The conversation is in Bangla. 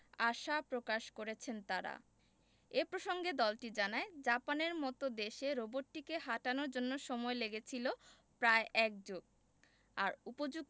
আশা প্রকাশ করেছেন তারা এ প্রসঙ্গে দলটি জানায় জাপানের মতো দেশে রোবটটিকে হাঁটানোর জন্য সময় লেগেছিল প্রায় এক যুগ আর উপযুক্ত